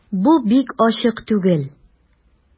Бу бик ачык түгел...